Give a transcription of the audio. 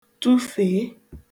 tụfèe